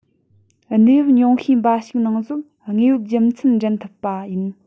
གནས བབ ཉུང ཤོས འབའ ཞིག ནང གཟོད དངོས ཡོད རྒྱུ མཚན འདྲེན ཐུབ པ ཡིན